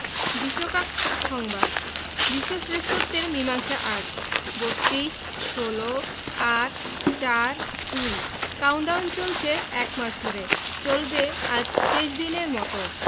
বিশ্বকাপ সংবাদ বিশ্ব শ্রেষ্ঠত্বের মীমাংসা আজ ৩২ ১৬ ৮ ৪ ২ কাউন্টডাউন চলছে এক মাস ধরে চলবে আজ শেষ দিনের মতো